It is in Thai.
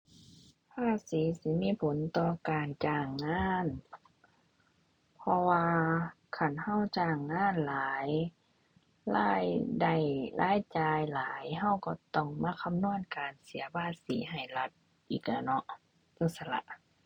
ภาษีสิมีผลต่อการจ้างงาน เพราะว่าคันเราจ้างงานหลาย รายได้รายจ่ายหลาย เราเราต้องมาคำนวณการเสียภาษีให้รัฐอีกล่ะเนาะ จั่งซั้นล่ะ